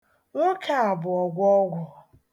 Nwoke a bụ ọgwọọgwụ